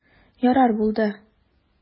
Ярар, булды.